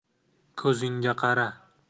ko'zingga qara